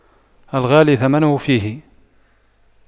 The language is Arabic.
الغالي ثمنه فيه